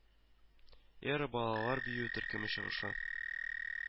Эра балалар бию төркеме чыгышы